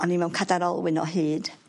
o'n i mewn cadar olwyn o hyd